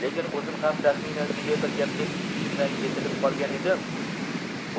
lekin o'zim ham taxminan shunday bir gapga ich ichimdan yetilib qolgan edim